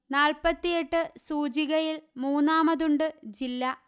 നാല്പത്തിയെട്ട് സൂചികയില് മൂന്നാമതുണ്ട് ജില്ല